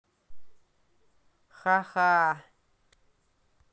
хаха